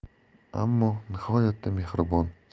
ammo nihoyatda mehribon